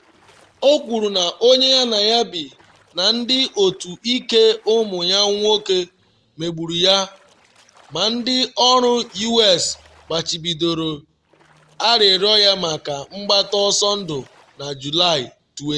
O kwuru na onye ya na ya bi “na ndị otu ike ụmụ ya nwoke” megburu ya, ma ndị ọrụ U.S gbachibidoro arịrịọ ya maka mgbata ọsọ ndụ na Julaị 20.